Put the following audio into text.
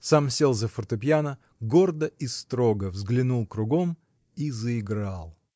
сам сел за фортепьяно, гордо и строго взглянул кругом и заиграл.